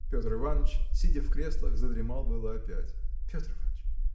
Петр Иваныч, сидя в креслах, задремал было опять. – Петр Иваныч!